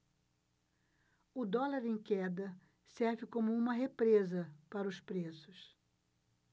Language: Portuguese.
o dólar em queda serve como uma represa para os preços